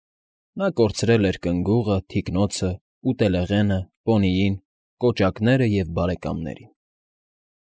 Նա կորցրել էր կնգուղը, թիկնոցը ուտելեղենը, պոնիին, կոճակները և բարեկամներին։